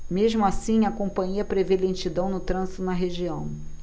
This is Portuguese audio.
mesmo assim a companhia prevê lentidão no trânsito na região